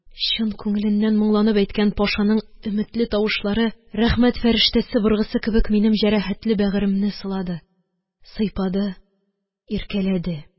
Чын күңеленнән моңланып әйткән Пашаның өметле тавышлары, рәхмәт фәрештәсе быргысы кебек, минем җәрәхәтле бәгыремне сылады, сыйпады, иркәләде.